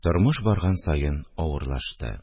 Тормыш барган саен авырлашты